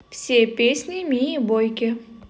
все песни мии бойки